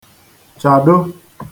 chàdo